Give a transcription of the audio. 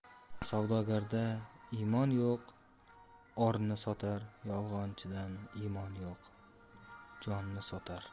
savdogarda imon yo'q orni sotar yolg'onchida imon yo'q jonni sotar